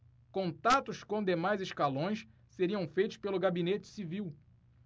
contatos com demais escalões seriam feitos pelo gabinete civil